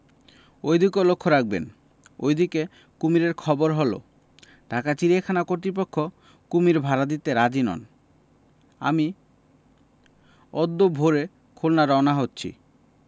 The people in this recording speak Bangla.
ঐ দিকেও লক্ষ রাখবেন এ দিকে কুমীরের খবর হল ঢাকা চিড়িয়াখানা কর্তৃপক্ষ কুণীর ভাড়া দিতে রাজী নন আমি অদ্য ভোরে খুলনা রওনা হচ্ছি